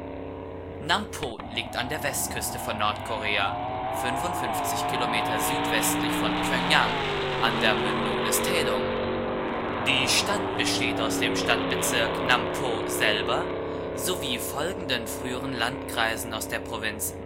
Namp'o liegt an der Westküste von Nordkorea, 55 Kilometer südwestlich von Pjöngjang an der Mündung des Taedong. Die geografischen Koordinaten sind 39° N, 125° O 38.729166666667125.40583333333 Koordinaten: 39° N, 125° O. Die Stadt besteht aus dem Stadtbezirk Namp’ o selber, sowie folgenden früheren Landkreisen aus der Provinz